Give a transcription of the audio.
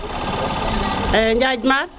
ƴaƴ màk